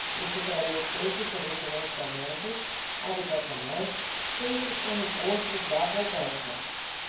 isso traria efeitos sobre os financiamentos habitacionais feitos com recursos da poupança